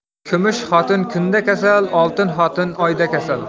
kumush xotin kunda kasal oltin xotin oyda kasal